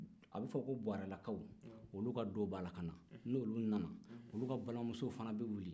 a bɛ fɔ ko buwarɛlakaw olu ka do b'a la ka na n'olu nana olu ka balimamusow fana bɛ wili